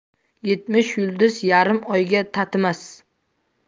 yetmish yulduz yarim oyga tatimas